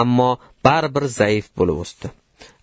ammo bari bir zaif bo'lib o'sdi